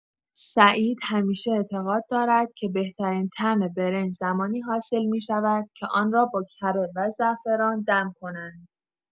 سعید همیشه اعتقاد دارد که بهترین طعم برنج زمانی حاصل می‌شود که آن را با کره و زعفران دم کنند.